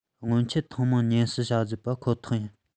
སྔོན ཆད ཐེངས མང མྱུལ ཞིབ བྱ རྒྱུ པ ཁོ ཐག ཡིན